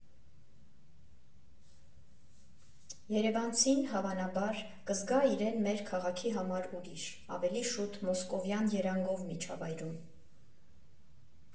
Երևանցին, հավանաբար, կզգա իրեն մեր քաղաքի համար ուրիշ՝ ավելի շուտ մոսկովյան երանգով միջավայրում։